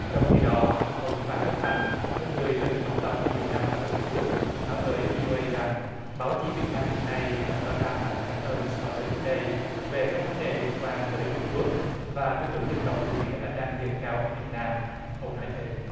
trong khi đó ông phan tất thành một người từng học tập nhiều năm ở trung quốc nói với vi ô ây rằng báo chí việt nam hiện nay đã tỏ ra mạnh mẽ hơn so với trước đây về các vấn đề liên quan tới trung quốc và tư tưởng dân tộc chủ nghĩa đang dâng cao ở việt nam ông nói thêm